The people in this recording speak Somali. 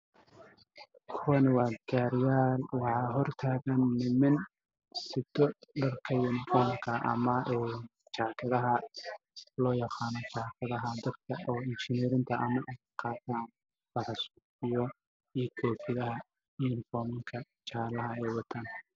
Halkan waxaa taagan gaariyaal waaweyn oo caddaan ah waxaa xogtaagan niman wataan jaakado cagaar ah